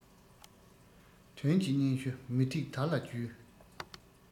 དོན གྱི སྙན ཞུ མུ ཏིག དར ལ བརྒྱུས